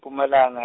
-pumalanga.